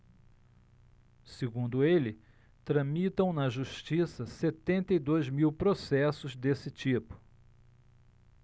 segundo ele tramitam na justiça setenta e dois mil processos desse tipo